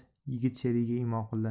yigit sherigini imo qildi